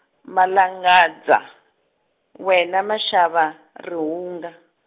Malangadza, wena maxava, rihunga.